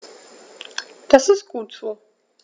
Das ist gut so.